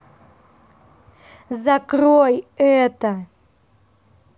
закрой это